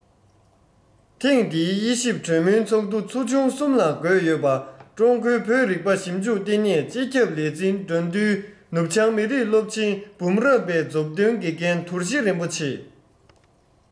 ཐེངས འདིའི དབྱེ ཞིབ གྲོས མོལ ཚོགས འདུ ཚོ ཆུང གསུམ ལ བགོས ཡོད པ ཀྲུང གོའི བོད རིག པ ཞིབ འཇུག ལྟེ གནས སྤྱི ཁྱབ ལས འཛིན དགྲ འདུལ ནུབ བྱང མི རིགས སློབ ཆེན འབུམ རམས པའི མཛུབ སྟོན དགེ རྒན དོར ཞི རིན པོ ཆེ